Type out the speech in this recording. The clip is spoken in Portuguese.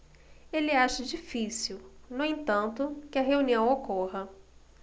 ele acha difícil no entanto que a reunião ocorra